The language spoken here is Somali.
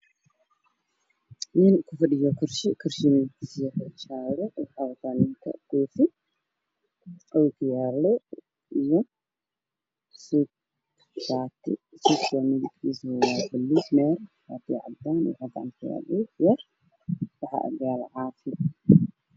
Waa nin ku fadhiya kursi wax ayuu akhrinayaa kursiga uu ka fadhiya waa qaxo miiska oo caddaan darbiga waa qaxo